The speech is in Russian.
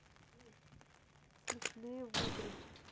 смешные выдры